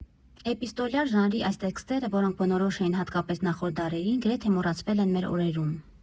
Էպիստոլյար ժանրի այս տեքստերը, որոնք բնորոշ էին հատկապես նախորդ դարերին, գրեթե մոռացվել են մեր օրերում։